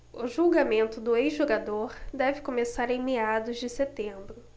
o julgamento do ex-jogador deve começar em meados de setembro